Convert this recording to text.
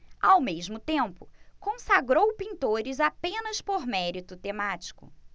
ao mesmo tempo consagrou pintores apenas por mérito temático